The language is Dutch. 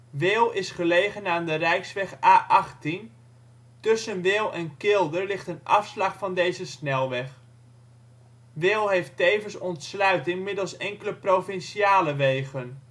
Wehl is gelegen aan de rijksweg A18. Tussen Wehl en Kilder ligt een afslag van deze snelweg. Wehl heeft tevens ontsluiting middels enkele provinciale wegen